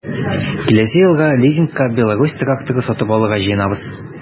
Киләсе елга лизингка “Беларусь” тракторы сатып алырга җыенабыз.